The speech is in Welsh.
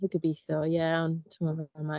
Dwi'n gobeitho, ie ond. Timod fel mae hi.